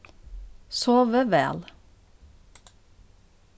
sovið væl